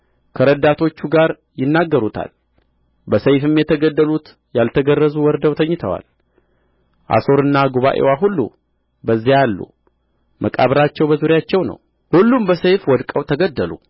ከረዳቶቹ ጋር ይናገሩታል በሰይፍም የተገደሉት ያልተገረዙ ወርደው ተኝተዋል አሦርና ጉባኤዋ ሁሉ በዚያ አሉ መቃብራቸው በዙሪያቸው ነው ሁሉም በሰይፍ ወድቀው ተገደሉ